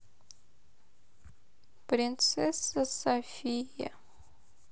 принцесса софия